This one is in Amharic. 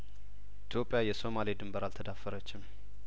ኢትዮጵያ የሶማሌ ድንበር አልተዳፈረችም